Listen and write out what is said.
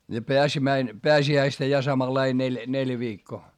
ja - pääsiäistä ja samanlainen neljä neljä viikkoa